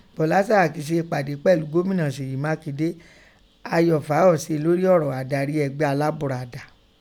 Bukọla Saraki ṣe ìpàdé pẹ̀lú gómínà Ṣeyi Makinde, Ayo Fayoṣe lórí ọ̀rọ̀ adarí ẹgbẹ́ Aláburadà